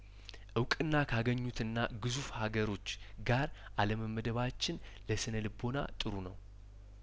እውቅና ካገኙትና ግዙፍ ሀገሮች ጋር አለመመደባችን ለስነ ልቦና ጥሩ ነው